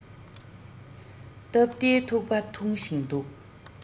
སྟབས བདེའི ཐུག པ འཐུང བཞིན འདུག